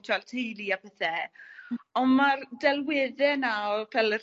t'wod tulu a pethe. On' ma'r delwedde 'na o ffel yr